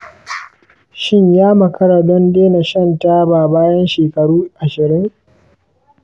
shin ya makara don daina shan taba bayan shekaru ashirin?